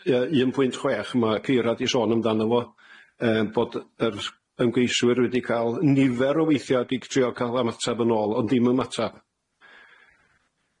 yy un pwynt chwech ma' Ceira 'di sôn amdano fo yym bod yr ymgeiswyr wedi ca'l nifer o weithia' 'di trio ca'l ymateb yn ôl ond dim ymateb.